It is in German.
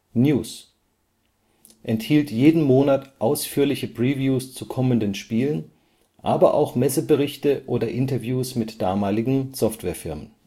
News: Enthielt jeden Monat ausführliche Previews zu kommenden Spielen, aber auch Messeberichte oder Interviews mit damaligen Softwarefirmen